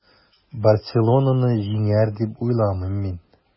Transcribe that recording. “барселона”ны җиңәр, дип уйламыйм мин.